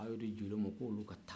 a y'o di jeliw maa k'olu ka taa